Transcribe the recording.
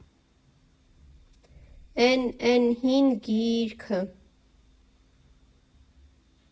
Էն, էն հին գ֊գ֊գիրքը…